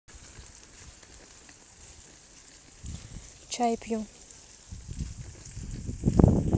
чай пью